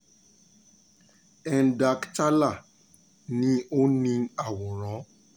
Endalk Chala ni ó ni àwòrán.